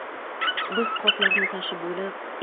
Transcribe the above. biz qoplarni tashib bo'lib